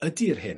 ydi'r hyn